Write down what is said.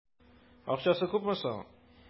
Акчасы күпме соң?